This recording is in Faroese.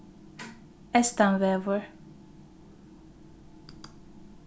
eystanvegur